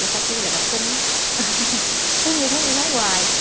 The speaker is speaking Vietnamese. người ta kêu là đọc kinh á cứ như thế như thế hoài